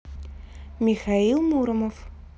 михаил муромов